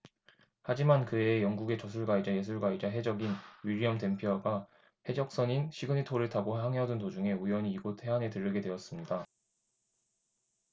하지만 그 해에 영국의 저술가이자 예술가이자 해적인 윌리엄 댐피어가 해적선인 시그닛 호를 타고 항해하던 도중에 우연히 이곳 해안에 들르게 되었습니다